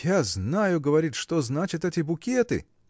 я знаю, говорит, что значат эти букеты.